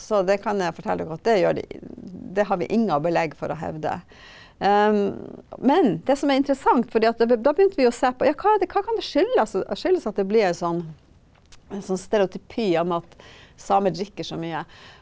så det kan jeg fortelle dere at det gjør de det har vi ingen belegg for å hevde, men det som er interessant fordi at da vi da begynte vi å se på ja hva er det hva kan det skyldes skyldes at det blir ei sånn en sånn stereotypi om at samer drikker så mye?